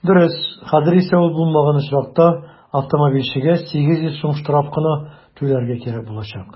Дөрес, хәзер исә ул булмаган очракта автомобильчегә 800 сум штраф кына түләргә кирәк булачак.